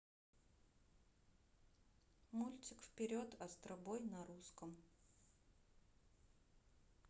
мультик вперед астробой на русском